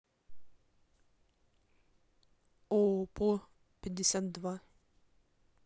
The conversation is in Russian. оопо пятьдесят два